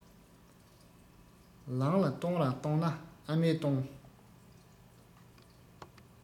ལང ལ གཏོང རང གཏོང ན ཨ མས གཏོང